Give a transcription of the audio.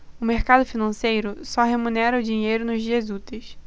o mercado financeiro só remunera o dinheiro nos dias úteis